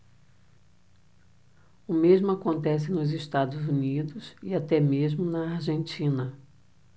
o mesmo acontece nos estados unidos e até mesmo na argentina